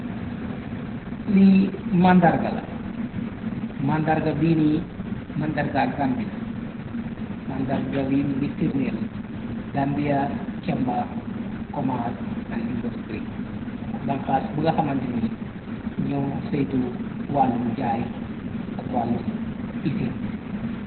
Li màndarga la, màndarga biini màndarga Gambi la. Màndarga bi mungi firneel Gambia chamber of commerce and industry. Banhaas bu nga hamanti ni ñoo saytu wàllum jaay ak wàllum isin yi.